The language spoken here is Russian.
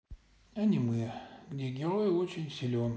аниме где герой очень силен